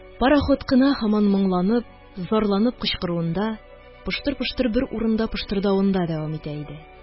Парахут кына һаман моңланып, зарланып кычкыруында, пыштыр-пыштыр бер урында пыштырдавында дәвам итә иде.